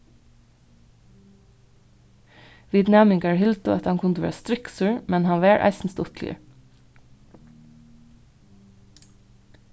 vit næmingar hildu at hann kundi vera striksur men hann var eisini stuttligur